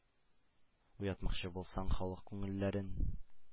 “уятмакчы булсаң халык күңелләрен”,